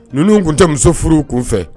Ninnu tun tɛ muso furu kun fɛ